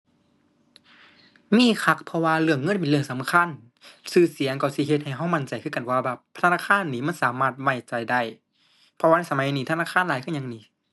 มีคัก เพราะว่าเรื่องเงินเป็นเรื่องสำคัญ ชื่อเสียงก็สิเฮ็ดให้ชื่อมั่นใจคือกันว่าแบบธนาคารนี้มันสามารถไว้ใจได้ เพราะว่าในสมัยนี้ธนาคารหลายคือหยังหนิ